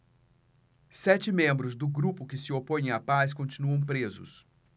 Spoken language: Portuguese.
sete membros do grupo que se opõe à paz continuam presos